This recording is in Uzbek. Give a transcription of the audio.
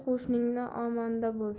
qo'shning omonda bo'lsin